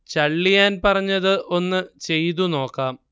ചള്ളിയാൻ പറഞ്ഞത് ഒന്ന് ചെയ്തു നോക്കാം